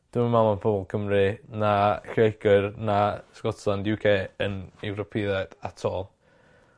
Dwi'm yn meddwl bo' Cymru na Lloeger na Sgotland You Kay yn Ewropeaidd at all.